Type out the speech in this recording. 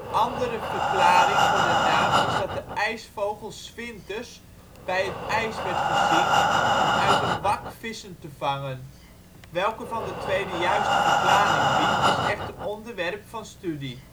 andere verklaring voor de naam is dat de ijsvogel ' s winters bij het ijs werd gezien om uit een wak vissen te vangen. Welke van de twee de juiste verklaring biedt is echter onderwerp van studie